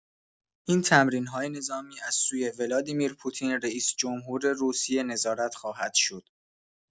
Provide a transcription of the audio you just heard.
این تمرین‌های نظامی از سوی ولادیمیر پوتین، رئیس‌جمهور روسیه نظارت خواهد شد.